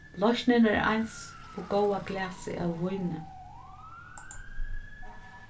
loysnin var eins og góða glasið av víni